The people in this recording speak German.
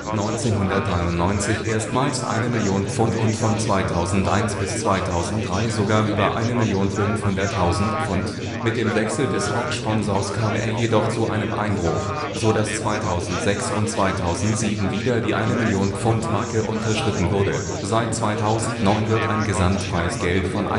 1993 erstmals 1.000.000 £ und von 2001 bis 2003 sogar über 1.500.000 £. Mit dem Wechsel des Hauptsponsors kam es jedoch zu einem Einbruch, sodass 2006 und 2007 wieder die eine-Million-Pfund-Marke unterschritten wurde. Seit 2009 wird ein Gesamtpreisgeld von